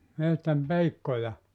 metsän peikkoja